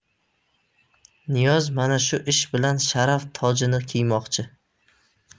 niyoz mana shu ish bilan sharaf tojini kiymoqchi